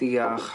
Dioch.